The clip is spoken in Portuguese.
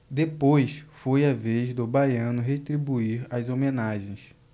depois foi a vez do baiano retribuir as homenagens